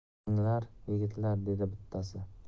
qo'ymanglar yigitlar dedi bittasi